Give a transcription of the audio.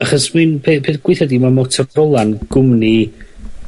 Achos wi'n pe- peth gwitha 'di ma' Motorolla'n gwmni